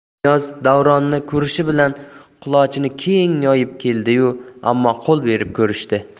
niyoz davronni ko'rishi bilan qulochini keng yoyib keldi yu ammo qo'l berib ko'rishdi